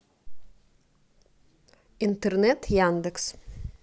интернет яндекс